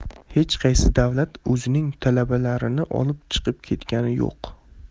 hech qaysi davlat o'zining talabalarini olib chiqib ketgani yo'q